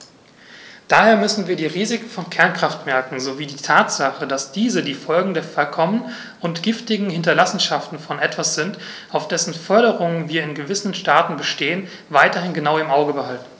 Daher müssen wir die Risiken von Kernkraftwerken sowie die Tatsache, dass diese die Folgen der verkommenen und giftigen Hinterlassenschaften von etwas sind, auf dessen Förderung wir in gewissen Staaten bestehen, weiterhin genau im Auge behalten.